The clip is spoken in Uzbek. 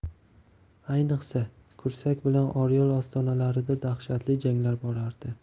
ayniqsa kursk bilan oryol ostonalarida dahshatli janglar borardi